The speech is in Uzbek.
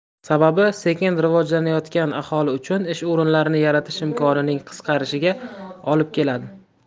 sababi sekin rivojlanayotgani aholi uchun ish o'rinlarini yaratish imkonining qisqarishiga olib keladi